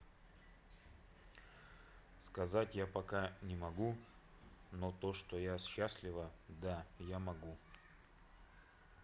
сказать я пока не могу но то что я счастлива да я могу